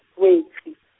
wetse.